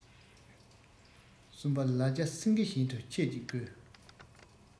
གསུམ པ ལ རྒྱ སེངྒེ བཞིན དུ ཆེ གཅིག དགོས